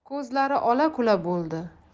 ko'zlari ola kula bo'ldi